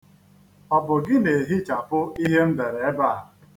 Ọ bụ gị na-ehichapụ ihe m dere ebe a?